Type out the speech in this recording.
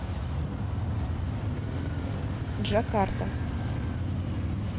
джакарта